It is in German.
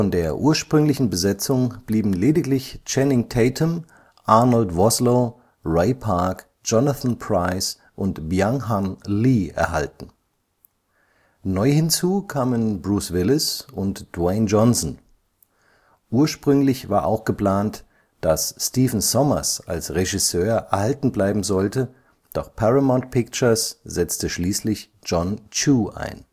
der ursprünglichen Besetzung blieben lediglich Channing Tatum, Arnold Vosloo, Ray Park, Jonathan Pryce und Byung-hun Lee erhalten. Neu hinzu kamen Bruce Willis und Dwayne Johnson. Ursprünglich war auch geplant, dass Stephen Sommers als Regisseur erhalten bleiben sollte, doch Paramount Pictures setzte schließlich John Chu ein